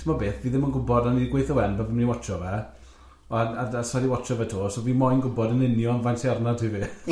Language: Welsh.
Ti'mo' beth, fi ddim yn gwybod, o'n i wedi gweithio Wen, bo' fi'n mynd i watsio fe, wel, a d- sa i wedi watsio fe eto, so fi moyn gwybod yn union faint sy arna ti fi.